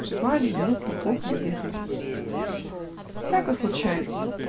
Жива ли, нет ли, бог ее ведает. Всяко случается.